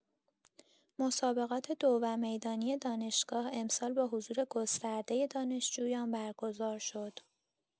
مسابقات دو و می‌دانی دانشگاه امسال با حضور گسترده دانشجویان برگزار شد.